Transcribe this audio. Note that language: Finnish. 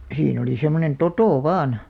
siinä oli semmoinen toto vain